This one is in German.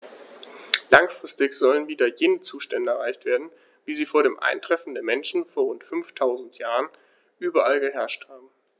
Langfristig sollen wieder jene Zustände erreicht werden, wie sie vor dem Eintreffen des Menschen vor rund 5000 Jahren überall geherrscht haben.